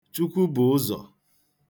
Chukwubùụzọ̀